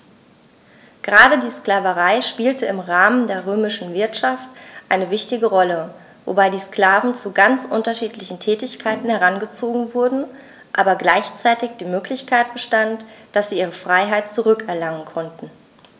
Gerade die Sklaverei spielte im Rahmen der römischen Wirtschaft eine wichtige Rolle, wobei die Sklaven zu ganz unterschiedlichen Tätigkeiten herangezogen wurden, aber gleichzeitig die Möglichkeit bestand, dass sie ihre Freiheit zurück erlangen konnten.